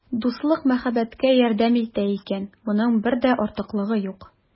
Дуслык мәхәббәткә ярдәм итә икән, моның бер дә артыклыгы юк.